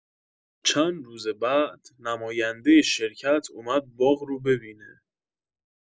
چند روز بعد، نمایندۀ شرکت اومد باغ رو ببینه.